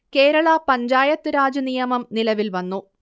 കേരളാ പഞ്ചായത്ത് രാജ് നിയമം നിലവിൽ വന്നു